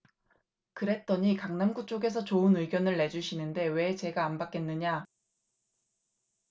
그랬더니 강남구 쪽에서 좋은 의견을 내주시는데 왜 제가 안 받겠느냐